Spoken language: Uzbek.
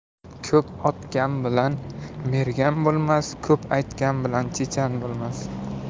ko'p otgan bilan mergan bo'lmas ko'p aytgan bilan chechan bo'lmas